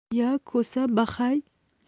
iya ko'sa bahay